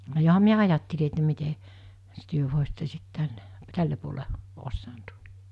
johan minä ajattelin että miten - te voisitte sitten tänne tälle puolen osannut